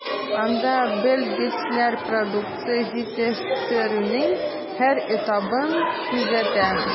Анда белгечләр продукция җитештерүнең һәр этабын күзәтә.